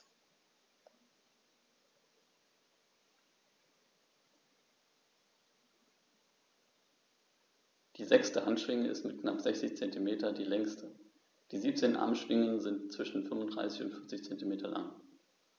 Die sechste Handschwinge ist mit knapp 60 cm die längste. Die 17 Armschwingen sind zwischen 35 und 40 cm lang.